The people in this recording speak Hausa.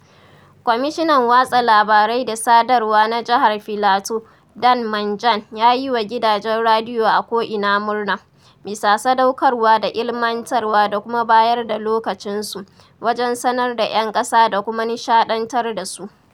Kwamishinan Watsa Labarai da Sadarwa na Jihar Filato Dan Manjang ya yi wa gidajen radiyo a ko'ina murna, ''bisa sadaukarwa da ilimantarwa da kuma bayar da lokacinsu" wajen sanar da 'yan ƙasa da kuma nishaɗantar da su: